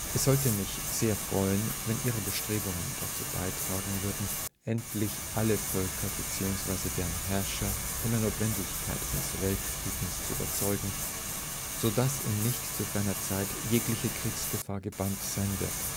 sollte mich sehr freuen, wenn Ihre Bestrebungen dazu beitragen würden, endlich alle Völker bzw. deren Herrscher von der Notwendigkeit eines Weltfriedens zu überzeugen, so dass in nicht zu ferner Zeit jegliche Kriegsgefahr gebannt sein wird